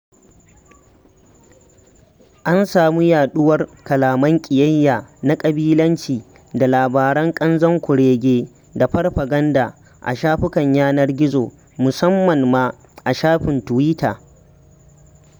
An samu yaɗuwar kalaman ƙiyayya na ƙabilanci da labaran ƙanzon kurege da farfaganda a shafukan yanar gizo, musamman ma a shafin tuwita.